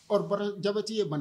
or jabati ye bana